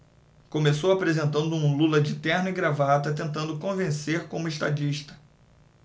começou apresentando um lula de terno e gravata tentando convencer como estadista